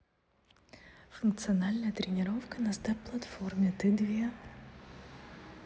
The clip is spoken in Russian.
функциональная тренировка на степ платформе ты две